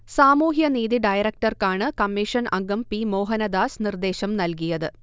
സാമൂഹ്യനീതി ഡയറക്ടർക്കാണ് കമ്മിഷൻ അംഗം പി. മോഹനദാസ് നിർദേശം നൽകിയത്